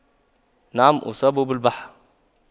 نعم أصاب بالبح